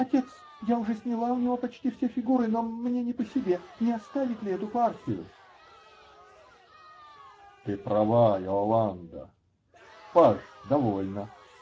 -- Отец, я уже сняла у него почти все фигуры, но. мне не по себе. Не оставить ли эту партию? -- Ты права, Иоланда. Паж, довольно.